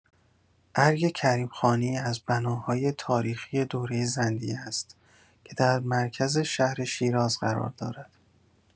ارگ کریم‌خانی از بناهای تاریخی دوره زندیه است که در مرکز شهر شیراز قرار دارد.